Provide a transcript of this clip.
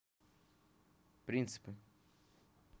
принципы